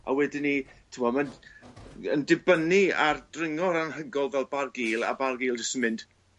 a wedyn 'ny t'mod ma'n yn dibynnu ar dringwr anhygol fel Barguil a Barguil jys yn mynd